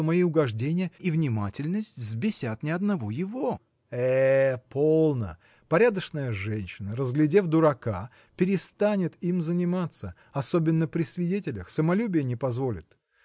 что мои угождения и внимательность взбесят не одного его. – Э, полно! Порядочная женщина разглядев дурака перестанет им заниматься особенно при свидетелях самолюбие не позволит.